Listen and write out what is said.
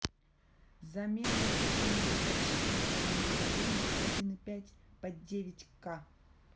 замена выжимного подшипника рено лагуна один и пять по девять ка